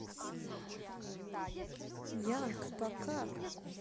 young пока